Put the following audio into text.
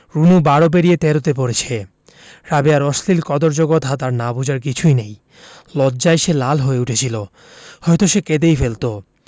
রুনু বারো পেরিয়ে তেরোতে পড়েছে রাবেয়ার অশ্লীল কদৰ্য কথা তার না বুঝার কিছুই নেই লজ্জায় সে লাল হয়ে উঠেছিলো হয়তো সে কেঁদেই ফেলতো